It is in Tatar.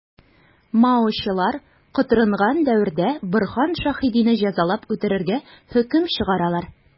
Маочылар котырынган дәвердә Борһан Шәһидине җәзалап үтерергә хөкем чыгаралар.